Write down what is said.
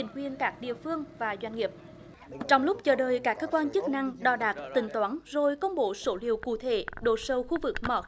chính quyền các địa phương và doanh nghiệp trong lúc chờ đợi các cơ quan chức năng đo đạc tính toán rồi công bố số liệu cụ thể độ sâu khu vực mỏ